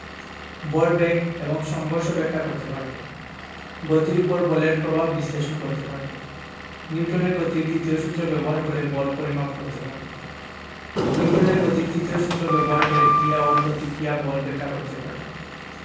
ভরবেগ এবং সংঘর্ষ ব্যাখ্যা করতে পারব গতির উপর বলের প্রভাব বিশ্লেষণ করতে পারব নিউটনের গতির দ্বিতীয় সূত্র ব্যবহার করে বল পরিমাপ করতে পারব নিউটনের গতির তিতীয় সূত্র ব্যবহার করে ক্রিয়া ও প্রতিক্রিয়া বল ব্যাখ্যা করতে পারব